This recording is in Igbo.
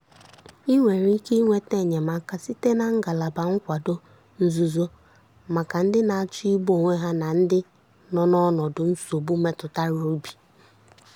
I nwere ike nweta enyemaka site na ngalaba nkwado nzuzo maka ndị na-achọ igbu onwe ha na ndị nọ n'ọnọdụ nsogbu metụtara obi.